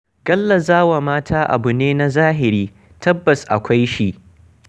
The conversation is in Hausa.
Gallazawa mata abu ne na zahiri, tabbas akwai shi.